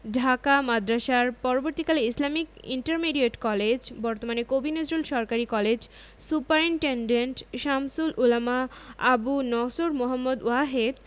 ঢাকা মাদ্রাসার পরবর্তীকালে Islamic intermediate college বর্তমান কবি নজরুল সরকারি কলেজ সুপারিন্টেন্ডেন্ট শামসুল উলামা আবু নসর মুহম্মদ ওয়াহেদ